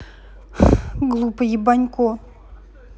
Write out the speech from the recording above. глупый ебанько